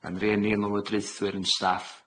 Yn rieni, yn lywodraethwyr, yn staff.